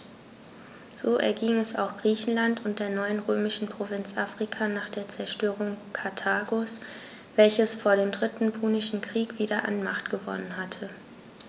So erging es auch Griechenland und der neuen römischen Provinz Afrika nach der Zerstörung Karthagos, welches vor dem Dritten Punischen Krieg wieder an Macht gewonnen hatte.